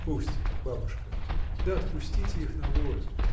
— Пусть их, бабушка, да отпустите их на волю.